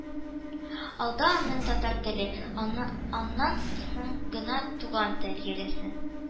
Алда, аннан «татар теле», аннан соң гына «туган тел» йөресен